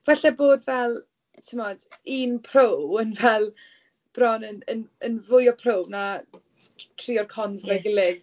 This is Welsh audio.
Falle bod fel timod un pro yn fel bron, yn yn yn fwy o pro na t- tri o'r cons efo'i gilydd ti'n dallt be fi'n feddwl.